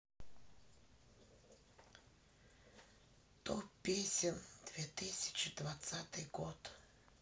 топ песен две тысячи двадцатый год